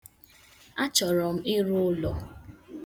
Achọrọ m ịrụ ụlọ.